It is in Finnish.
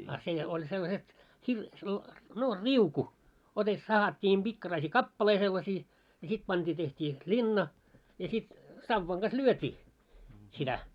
ja se oli sellaiset -- no riuku - sahattiin pikkaraisia kappaleita sellaisia ja sitten pantiin tehtiin sitten linna ja sitten sauvan kanssa lyötiin sitä